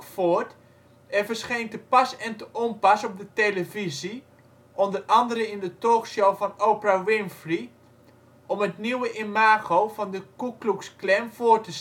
voort en verscheen te pas en te onpas op de televisie (onder andere in de talkshow van Oprah Winfrey) om het nieuwe imago van de Ku Klux Klan voor te stellen